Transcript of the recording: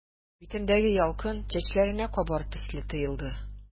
Битендәге ялкын чәчләренә кабар төсле тоелды.